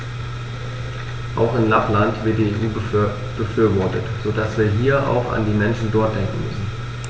Auch in Lappland wird die EU befürwortet, so dass wir hier auch an die Menschen dort denken müssen.